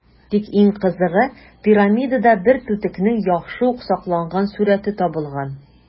Тик иң кызыгы - пирамидада бер түтекнең яхшы ук сакланган сурəте табылган.